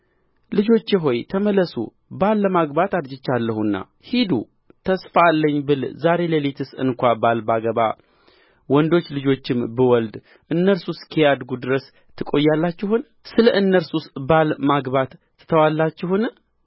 ልጆቼ ሆይ ተመለሱ ባል ለማግባት አርጅቻለሁና ሂዱ ተስፋ አለኝ ብል ዛሬ ሌሊትስ እንኳ ባል ባገባ ወንዶች ልጆችም ብወልድ እነርሱ እስኪያድጉ ድረስ ትቆያላችሁን ስለ እነርሱስ ባል ማግባት ትተዋላችሁን